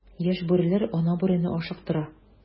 Яшь бүреләр ана бүрене ашыктыра.